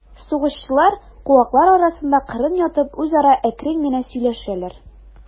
Сугышчылар, куаклар арасында кырын ятып, үзара әкрен генә сөйләшәләр.